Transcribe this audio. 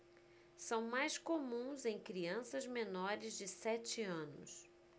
são mais comuns em crianças menores de sete anos